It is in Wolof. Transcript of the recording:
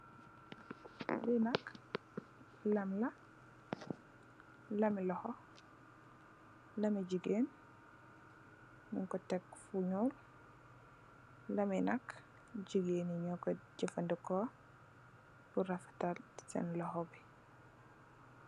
Lii nak lam la, lami loho, lami jigeen, ñungko tek fu ñuul, lami nak, jigeeni ñookoy jefandikoo, pur rafetal sen loho bi.